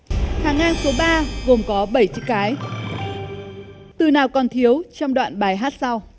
hàng ngang số ba gồm có bảy chữ cái từ nào còn thiếu trong đoạn bài hát sau